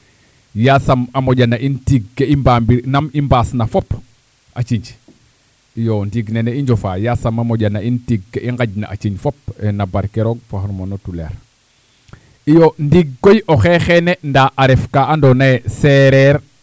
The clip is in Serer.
yaasam a moƴana in tiig ke i mbamir nam i mbaasna fop a ciinj iyo ndiig nene i njofa yaasam a moƴana in tiig ke i nqaƴna a ciinj fop na barke roog fo no tuleer iyo ndiig koy oxe xeene ndaa a ref ka andoona yee seereer